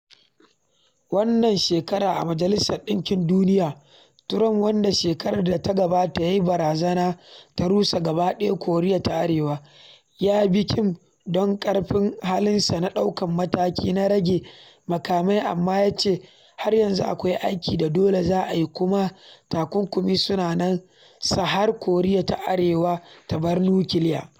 Wannan shekarar a Majalisar Ɗinkin Duniya, Trump, wanda shekarar da ta gabata ya yi barazana ta “rusa gaba ɗaya” Koriya ta Arewa, ya yabi Kim don ƙarfin halinsa na ɗaukan matakai na rage makamai, amma ya ce har yanzu akwai aiki da dole za a yi kuma takunkumi suna nan sa har Koriya ta Arewan ta bar nukiliya.